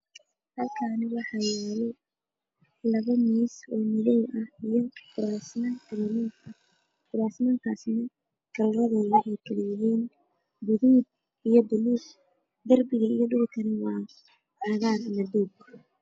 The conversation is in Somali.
halkani waxaa yaale labo miis ah uu madow ah kuraasne kurastane waxa ay ka la yihiin guduud iyo baluug barbiga iyo dhulkan cagaar